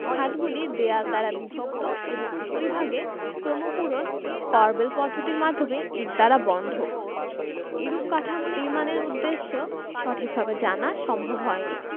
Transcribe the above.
খাতগুলি দেয়াল দ্বারা বিভক্ত এবং উপরিভাগ ক্রমপূরণ করবেল পদ্ধতির মাধ্যমে ইট দ্বারা বন্ধ এরূপ কাঠামো নির্মাণের উদ্দেশ্য সঠিকভাবে জানা সম্ভব হয় নি